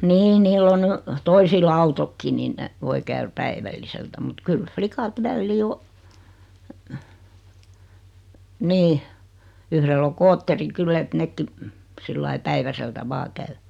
niin niillä on nyt toisilla autotkin niin ne voi käydä päivälliseltä mutta kyllä likat väliin on niin yhdellä on skootteri kyllä että nekin sillä lailla päiväseltä vain käy